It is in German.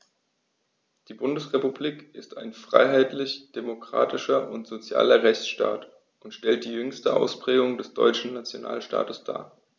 Die Bundesrepublik ist ein freiheitlich-demokratischer und sozialer Rechtsstaat und stellt die jüngste Ausprägung des deutschen Nationalstaates dar.